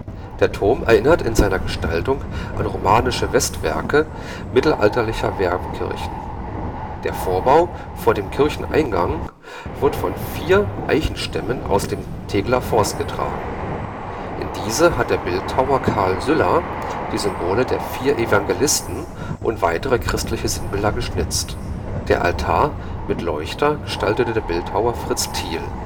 Der Turm erinnert in seiner Gestaltung an romanische Westwerke mittelalterlicher Wehrkirchen. Der Vorbau vor dem Kircheneingng wird von vier Eichenstämmen aus dem Tegeler Forst getragen. In diese hat der Bildhauer Karl Sylla die Symbole der vier Evangelisten und weitere christliche Sinnbilder geschnitzt. Den Altar mit Leuchter gestaltete der Bildhauer Fritz Thiel